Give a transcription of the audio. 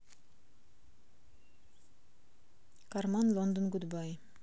кармен лондон гудбай